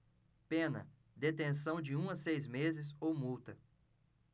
pena detenção de um a seis meses ou multa